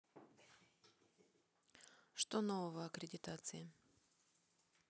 что нового аккредитации